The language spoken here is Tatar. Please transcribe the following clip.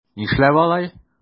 Нишләп алай?